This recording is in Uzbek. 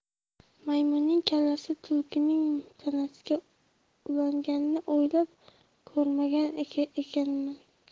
maymunning kallasi tulkining tanasiga ulanganini o'ylab ko'rmagan ekanman